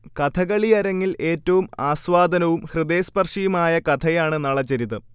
കഥകളിയരങ്ങിൽ ഏറ്റവും ആസ്വാദനവും ഹൃദയസ്പർശിയുമായ കഥയാണ് നളചരിതം